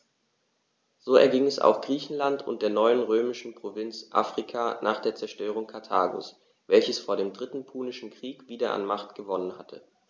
So erging es auch Griechenland und der neuen römischen Provinz Afrika nach der Zerstörung Karthagos, welches vor dem Dritten Punischen Krieg wieder an Macht gewonnen hatte.